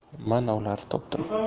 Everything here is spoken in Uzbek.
mana ular topdim